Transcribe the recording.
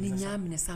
Ni y'a minɛ